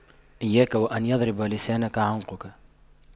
إياك وأن يضرب لسانك عنقك